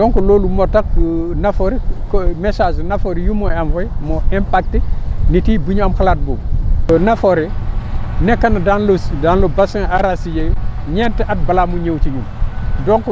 donc loolu moo tax Nafoore que message Nafoore yu muy envoyé moo impacté nit yi ba ñu am xalaat boobu te Nafoore nekk na dans le su dans le basin archidier ñeenti at balaa muy ñëw ci ñun